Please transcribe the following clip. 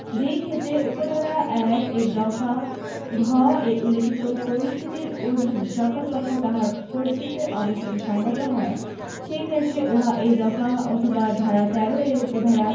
যেইক্ষেত্রে উপ ধারা ১ এর দফা ঘ এ উল্লেখিত পরিস্থিতির অধীন সকল পক্ষ তাহার কর্তৃত্বের অবসানে সম্মত হয় সেইক্ষেত্রে উহা এই দফা অথবা ধারা ১৩ এর উপ ধারা